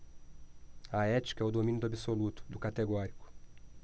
a ética é o domínio do absoluto do categórico